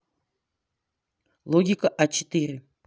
логика а четыре